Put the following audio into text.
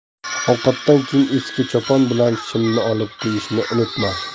ovqatdan keyin eski chopon bilan shimni olib qo'yishni unutma